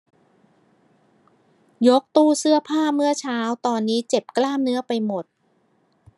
ยกตู้เสื้อผ้าเมื่อเช้าตอนนี้เจ็บกล้ามเนื้อไปหมด